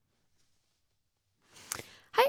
Hei.